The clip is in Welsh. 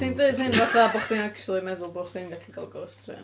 Ti'n deud hyn fatha bod chi'n acshyli meddwl bod chi'n gallu gael ghost train!